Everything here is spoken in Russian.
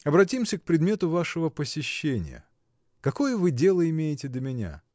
— Обратимся к предмету вашего посещения: какое вы дело имеете до меня?